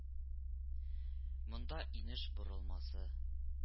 Монда инеш борылмасы